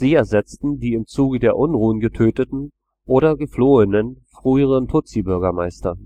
ersetzten die im Zuge der Unruhen getöteten oder geflohenen früheren Tutsi-Bürgermeister